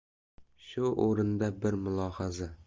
shu o'rinda bir mulohaza